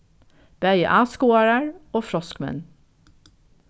bæði áskoðarar og froskmenn